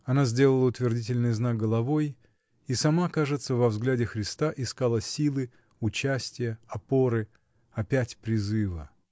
Она сделала утвердительный знак головой, и сама, кажется, во взгляде Христа искала силы, участия, опоры, опять призыва.